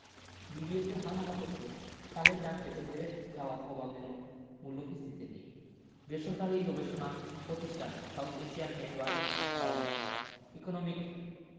বিবিএসের হালনাগাদ তথ্যে চালের দাম এত বেড়ে যাওয়ার প্রভাব যেন মূল্যস্ফীতিতে নেই বেসরকারি গবেষণা প্রতিষ্ঠান South Asian network on economic